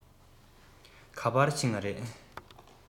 ག པར ཕྱིན པ རེད